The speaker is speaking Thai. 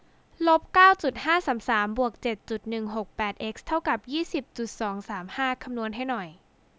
ลบเก้าจุดห้าสามสามบวกเจ็ดจุดหนึ่งหกแปดเอ็กซ์เท่ากับยี่สิบจุดสองสามห้าคำนวณให้หน่อย